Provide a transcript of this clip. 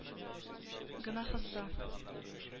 Гөнаһысы